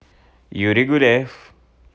юрий гуляев